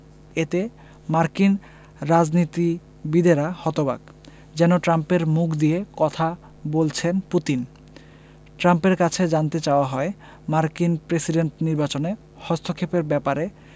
এতে মার্কিন রাজনীতিবিদেরা হতবাক যেন ট্রাম্পের মুখ দিয়ে কথা বলছেন পুতিন ট্রাম্পের কাছে জানতে চাওয়া হয় মার্কিন প্রেসিডেন্ট নির্বাচনে হস্তক্ষেপের ব্যাপারে